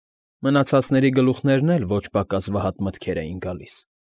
Մնացածների գլուխներն էլ ոչ պակաս վհատ մտքեր էին գալիս։